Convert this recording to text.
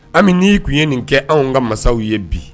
An bɛ n'i tun ye nin kɛ anw ka masaw ye bi